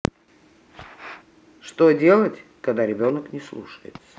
что делать когда ребенок не слушается